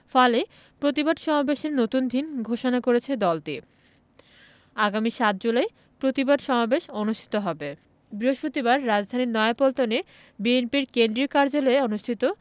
ফলে প্রতিবাদ সমাবেশের নতুন দিন ঘোষণা করেছে দলটি আগামী ৭ জুলাই প্রতিবাদ সমাবেশ অনুষ্ঠিত হবে বৃহস্পতিবার রাজধানীর নয়াপল্টনে বিএনপির কেন্দ্রীয় কার্যালয়ে অনুষ্ঠিত